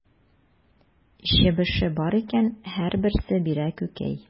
Чебеше бар икән, һәрберсе бирә күкәй.